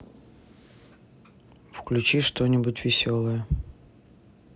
включи что нибудь веселое